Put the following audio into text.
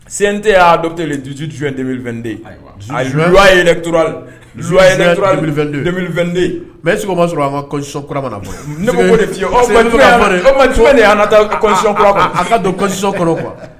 Sen tɛ y'a dɔlen du2 mɛ ma sɔrɔ an kasɔn taa a ka don kɔrɔ qu